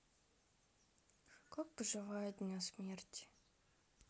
как поживает дня смерти